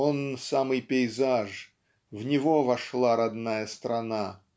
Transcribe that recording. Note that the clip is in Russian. он - самый пейзаж, в него вошла родная страна